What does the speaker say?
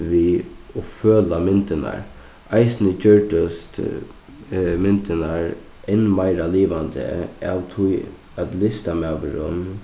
við og føla myndirnar eisini gjørdust myndirnar enn meira livandi av tí at listamaðurin